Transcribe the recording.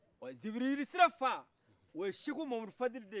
ziviririsire fa o ye seko muhamudil fadil de ye